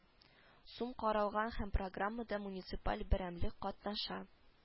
Сум каралган һәм программада муниципаль берәмлек катнаша